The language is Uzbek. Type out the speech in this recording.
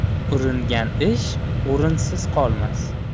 uringan ish o'rinsiz qolmas